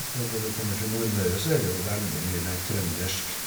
For når du kommer til Nordmøre, så er det jo veldig mye mer trøndersk.